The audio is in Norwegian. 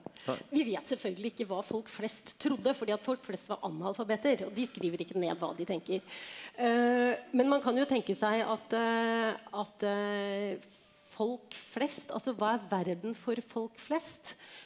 vi vet selvfølgelig ikke hva folk flest trodde fordi at folk flest var analfabeter, og de skriver ikke ned hva de tenker, men man kan jo tenke seg at at folk flest altså hva er verden for folk flest?